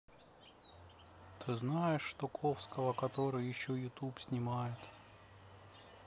ты знаешь что ковского который еще youtube снимает